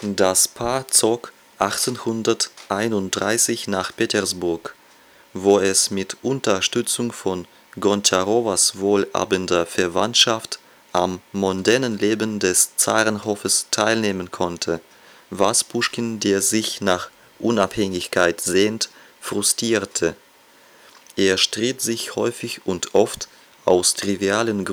Das Paar zog 1831 nach Petersburg, wo es mit Unterstützung von Gontscharowas wohlhabender Verwandtschaft am mondänen Leben des Zarenhofes teilnehmen konnte - was Puschkin, der sich nach Unabhängigkeit sehnt, frustrierte. Er stritt sich häufig und oft aus trivialen